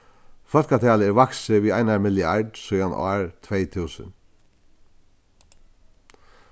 fólkatalið er vaksið við einari milliard síðan ár tvey túsund